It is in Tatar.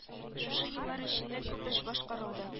Шушы еллар эчендә күп эш башкарылды